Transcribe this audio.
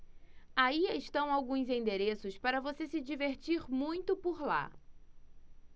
aí estão alguns endereços para você se divertir muito por lá